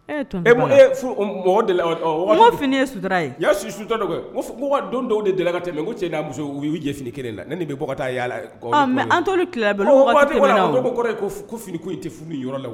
E mɔgɔ de fini ye sutura su su ko ka don dɔw de deli ka tɛmɛ mɛ ko cɛ' muso y'u jɛ finiini kelen la ne nin bɛ bɔ taa yalala mɛ an kɔrɔ ye fini i tɛ furu yɔrɔ la